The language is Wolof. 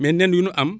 mais nen yu nu am